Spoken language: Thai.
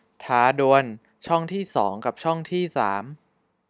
ท้าดวลช่องที่สองกับช่องที่สาม